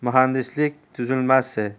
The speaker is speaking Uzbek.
muhandislik tuzilmasi